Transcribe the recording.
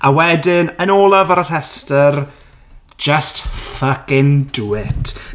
A wedyn, yn olaf ar y rhestr "Just fucking do it."